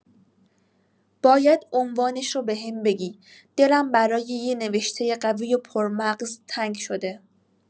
باید عنوانش رو بهم بگی، دلم برای یه نوشته قوی و پرمغز تنگ شده.